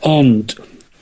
Ond